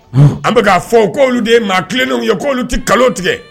An bɛka k' fɔ' olu de maa keleninw ye' oluolu tɛ kalo tigɛ